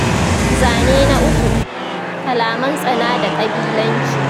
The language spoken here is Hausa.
Zane na 3: Kalaman tsana da ƙabilanci